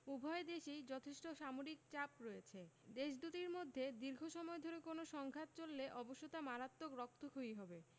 উভয় দেশেই যথেষ্ট সামরিক চাপ রয়েছে দেশ দুটির মধ্যে দীর্ঘ সময় ধরে কোনো সংঘাত চললে অবশ্যই তা মারাত্মক রক্তক্ষয়ী হবে